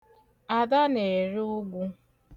Ada na-ere ụgụ.